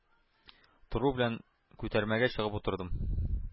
Тору белән күтәрмәгә чыгып утырдым.